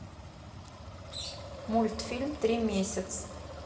мультфильм три месяц